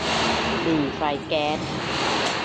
หรี่ไฟแก๊ส